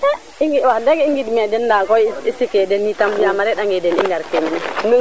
wax deg i ngidme den de nda koy i sike den it yaam a re ange den i ngar ke mene